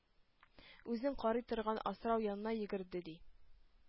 Үзен карый торган асрау янына йөгерде, ди.